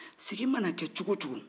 sigi mana kɛ cogo cogo